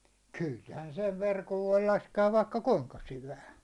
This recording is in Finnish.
kyllähän sen verkon voi laskea vaikka kuinka syvään